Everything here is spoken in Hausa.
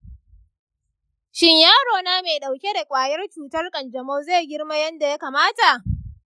shin yaro na mai dauke da kwayar cutar kanjamau zai girma yadda ya kamata?